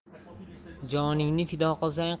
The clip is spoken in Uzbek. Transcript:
joningni fido qilsang